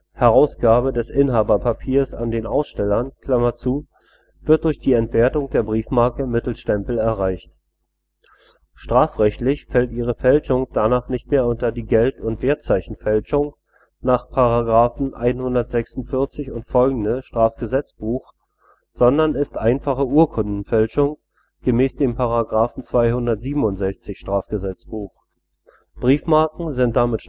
Herausgabe des Inhaberpapiers an den Aussteller) wird durch die Entwertung der Briefmarke mittels Stempel erreicht. Strafrechtlich fällt ihre Fälschung danach nicht mehr unter die „ Geld - und Wertzeichenfälschung “nach §§ 146 ff. StGB, sondern ist einfache Urkundenfälschung gemäß § 267 StGB. Briefmarken sind damit